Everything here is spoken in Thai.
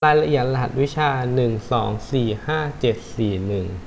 รายละเอียดรหัสวิชาหนึ่งสองสี่ห้าเจ็ดสี่หนึ่ง